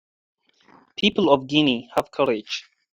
People of Guinea, have courage!